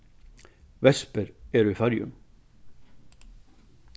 vespur eru í føroyum